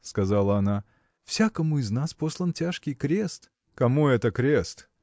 – сказала она, – всякому из нас послан тяжкий крест. – Кому это крест?